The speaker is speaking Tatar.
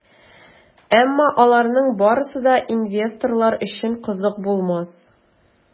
Әмма аларның барысы да инвесторлар өчен кызык булмас.